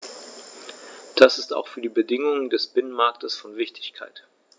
Das ist auch für die Bedingungen des Binnenmarktes von Wichtigkeit.